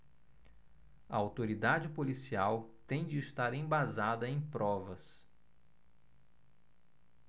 a autoridade policial tem de estar embasada em provas